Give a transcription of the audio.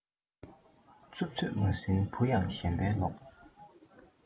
རྩུབ ཚོད མ ཟིན བུ ཡང ཞེན པ ལོག